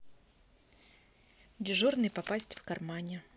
дежурный попасть в кармане